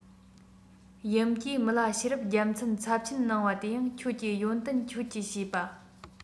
ཡུམ གྱིས མི ལ ཤེས རབ རྒྱལ མཚན ཚབས ཆེན གནང བ དེ ཡང ཁྱོད ཀྱི ཡོན ཏན ཁྱོད ཀྱི བྱས པ